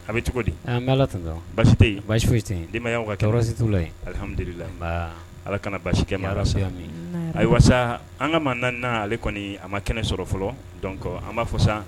A be cogodi aa an bɛ Ala tandɔrɔn basi te ye basi foyi te ye denbayaw ka kɛnɛ tɔɔrɔ si t'u la ye alihamdulilahi nbaa Ala kana basi kɛ maa la yarabi ami amina yarabi ayiwa saa an ŋa maa 4 nan ale kɔnii a ma kɛnɛ sɔrɔ fɔlɔ donc an b'a fɔ sa